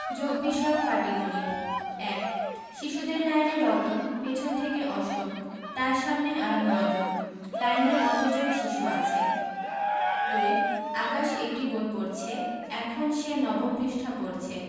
যোগ বিষয়ক পাটিগনিতঃ ১ শিশুদের লাইনে রতন পিছন থেকে অষ্টম তার সামনে আরও ৯ জন লাইনে কত জন শিশু আছে ২ আকাশ একটি বই পড়ছে এখন সে নবম পৃষ্ঠা পড়ছে